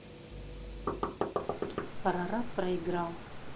ararat проиграл